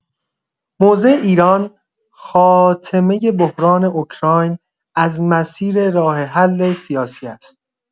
موضع ایران، خاتمه بحران اوکراین از مسیر راه‌حل سیاسی است.